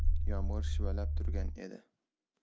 yomg'ir shivalab turgan edi